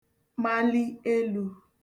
mali elū